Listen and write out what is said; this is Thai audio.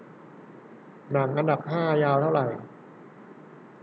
หนังอันดับห้ายาวเท่าไหร่